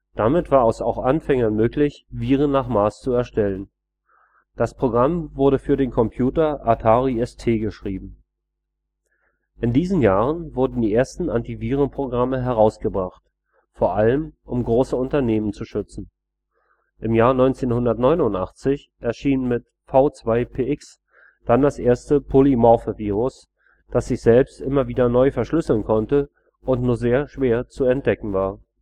Damit war es auch Anfängern möglich, Viren nach Maß zu erstellen. Das Programm wurde für den Computer Atari ST geschrieben. In diesen Jahren wurden die ersten Antivirenprogramme herausgebracht, vor allem, um große Unternehmen zu schützen. Im Jahr 1989 erschien mit V2Px dann das erste polymorphe Virus, das sich selbst immer wieder neu verschlüsseln konnte und nur sehr schwer zu entdecken war